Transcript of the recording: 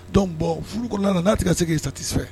Dɔn bɔn furu kɔnɔna n'a tɛ ka segin yen sati fɛ